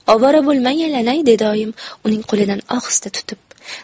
ovora bo'lmang aylanay dedi oyim uning qo'lidan ohista tutib